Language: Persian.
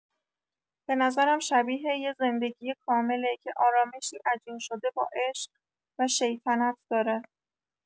به نظرم شبیه یه زندگی کامله که آرامشی عجین شده با عشق و شیطنت داره.